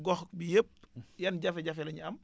gox bi yëpp yan jafe-jafe la ñu am